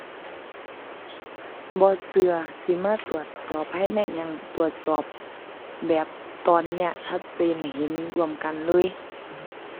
บ่เชื่อ สิมาตรวจสอบภายในอิหยัง ตรวจสอบแบบตอนนี้ ชัดเจนน่ะ เห็นร่วมกันเลย